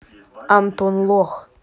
антон лох